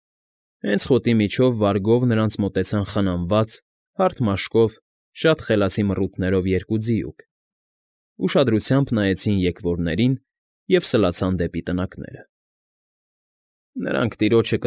Հենց խոտի միջով վարգով նրանց մոտեցան խնամված, հարթ մաշկով, շատ խելացի մռութներով երկու ձիուկ, ուշադրույթմաբ նայեցին եկվորներին և սլացան դեպի տնակները։ ֊ Նրանք տիրոջը։